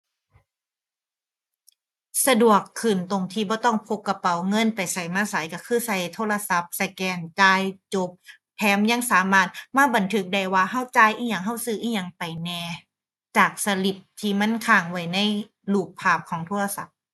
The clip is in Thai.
สะดวกขึ้นตรงที่บ่ต้องพกกระเป๋าเงินไปไสมาไสก็คือก็โทรศัพท์สแกนจ่าย จบ แถมยังสามารถมาบันทึกได้ว่าก็จ่ายอิหยัง ก็ซื้ออิหยังไปแหน่ จากสลิปที่มันค้างไว้ในรูปภาพของโทรศัพท์